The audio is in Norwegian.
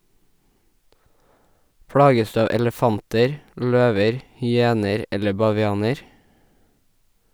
Plages du av elefanter , løver , hyener eller bavianer?